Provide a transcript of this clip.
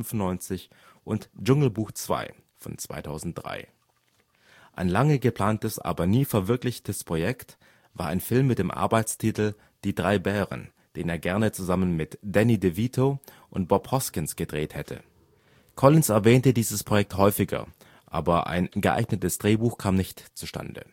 1995) und Dschungelbuch 2 (2003). Ein lange geplantes, aber nie verwirklichtes Projekt war ein Film mit dem Arbeitstitel Die Drei Bären, den er gerne zusammen mit Danny DeVito und Bob Hoskins gedreht hätte. Collins erwähnte dieses Projekt häufiger, aber ein geeignetes Drehbuch kam nicht zustande